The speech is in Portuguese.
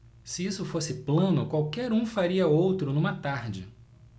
se isso fosse plano qualquer um faria outro numa tarde